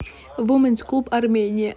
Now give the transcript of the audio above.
вуменс клуб армения